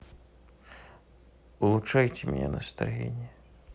улучшайте меня настроение